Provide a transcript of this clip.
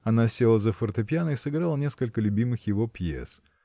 Она села за фортепиано и сыграла несколько любимых его пьес.